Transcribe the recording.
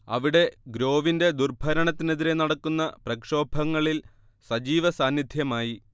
അവിടെ ഗ്രോവിന്റെ ദുർഭരണത്തിനെതിരേ നടക്കുന്ന പ്രക്ഷോഭങ്ങളിൽ സജീവ സാന്നിദ്ധ്യമായി